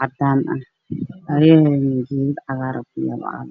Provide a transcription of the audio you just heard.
cadaan, waxaa agyaalo geedo cagaaran.